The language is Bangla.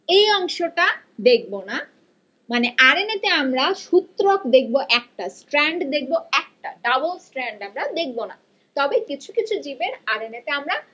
এই অংশটা দেখবো না মানে আরএনএ তে আমরা সূত্রক দেখব একটা স্ট্যান্ড দেখব একটা ডাবল স্ট্যান্ড আমরা দেখব না তবে কিছু কিছু জীবের আর এন এ তে আমরা